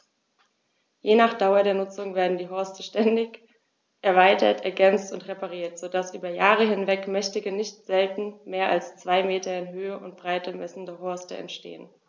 Je nach Dauer der Nutzung werden die Horste ständig erweitert, ergänzt und repariert, so dass über Jahre hinweg mächtige, nicht selten mehr als zwei Meter in Höhe und Breite messende Horste entstehen.